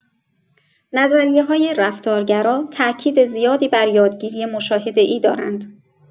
نظریه‌های رفتارگرا تاکید زیادی بر یادگیری مشاهده‌ای دارند.